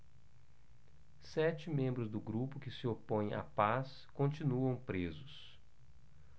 sete membros do grupo que se opõe à paz continuam presos